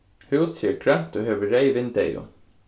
húsið er grønt og hevur reyð vindeygu